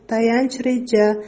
tayanch reja